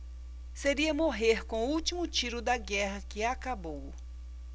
seria morrer com o último tiro da guerra que acabou